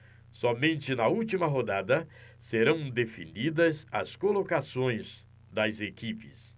somente na última rodada serão definidas as colocações das equipes